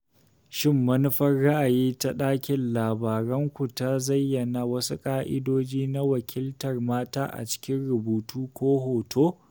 Shin manufar ra'ayi ta ɗakin labaranku ta zayyana wasu ƙa'idoji na wakiltar mata a cikin rubutu ko hoto?